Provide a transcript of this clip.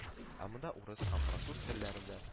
Ә монда урыс һәм француз телләрендә